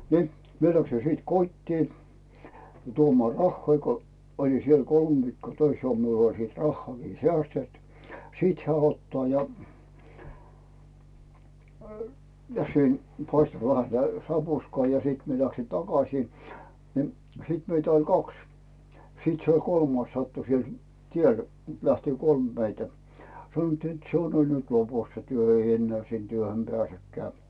niin minä lähdin sitten kotiin tuomaan rahoja kun olin siellä kolme viikkoa töissä ollut minulla oli sitten rahaakin säästetty sitten hän ottaa ja ja sen paistoi vähän sitä sapuskaa ja sitten minä lähdin takaisin niin sitten meitä oli kaksi sitten se oli kolmas sattui siellä tiellä lähti kolme meitä sanottiin että se on oli nyt lopussa se työ ei enää sinne työhön pääsekään